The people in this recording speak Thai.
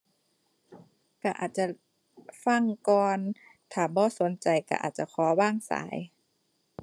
ก็อาจจะฟังก่อน ถ้าบ่สนใจก็อาจจะขอวางสาย